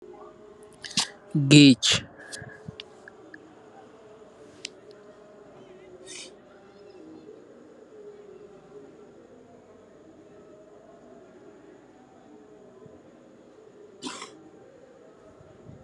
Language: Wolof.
Guage wah bi agut